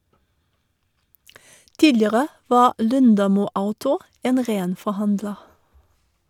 Tidligere var Lundamo Auto en ren forhandler.